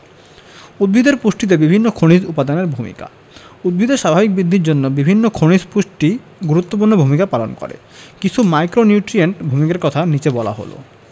উদ্ভিদের পুষ্টিতে বিভিন্ন খনিজ উপাদানের ভূমিকা উদ্ভিদের স্বাভাবিক বৃদ্ধির জন্য বিভিন্ন খনিজ পুষ্টি গুরুত্বপূর্ণ ভূমিকা পালন করে কিছু ম্যাক্রোনিউট্রিয়েন্টের ভূমিকার কথা নিচে বলা হল